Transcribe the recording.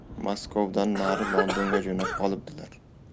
maskovdan nari londonga jo'nab qolibdilar